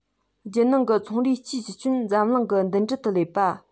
རྒྱལ ནང གི ཚོང རའི སྤྱིའི གཞི ཁྱོན འཛམ གླིང གི མདུན གྲལ དུ སླེབས པ